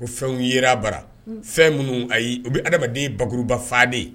Ko fɛnw yer'a bara fɛn minnu ayi u bɛ hadamaden bakurubafaa de